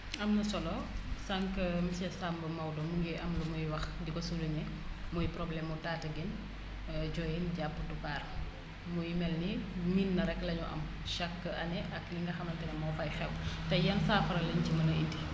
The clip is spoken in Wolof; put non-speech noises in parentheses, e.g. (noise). am na solo sànq monsieur Samb Maodo mu ngi am lu muy wax di ko souligné muy problème mu Tataguine (hesitation) Diohine jàpp Toucar muy mel ni miin na rekk la ñu am chaque année ak li nga xamante ne moo fay xew (breath) tay yan saafara lañ ci mën a indi